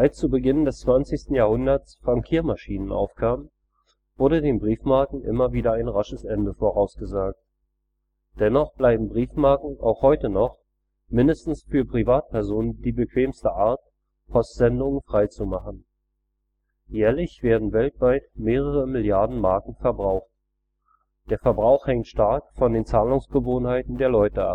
zu Beginn des 20. Jahrhunderts Frankiermaschinen aufkamen, wurde den Briefmarken immer wieder ein rasches Ende vorausgesagt. Dennoch bleiben Briefmarken auch heute noch mindestens für Privatpersonen die bequemste Art, Postsendungen freizumachen. Jährlich werden weltweit mehrere Milliarden Marken verbraucht. Der Verbrauch hängt stark von den Zahlungsgewohnheiten der Leute